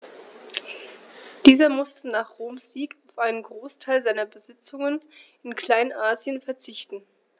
Dieser musste nach Roms Sieg auf einen Großteil seiner Besitzungen in Kleinasien verzichten.